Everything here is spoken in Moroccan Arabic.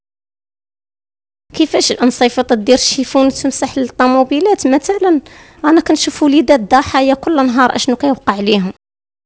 كيف اشحن صحيفه الديره شيفون سمس حلط موبيلات مثلا انا كان شوفوا لي ذا حياك لانها راشد كيف عليهم